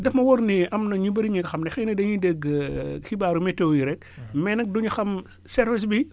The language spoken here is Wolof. daf ma wóor ni am nañu bari ñi nga xam ne xëy na dañuy dégg xibaaru météo yi rekk mais nag du ñu xam service bi